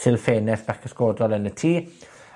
silff ffenest bach cysgodol yn y tŷ.